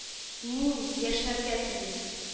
— мин яшәргә телим